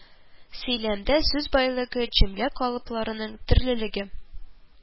Сөйлəмдə сүз байлыгы, җөмлə калыпларының төрлелеге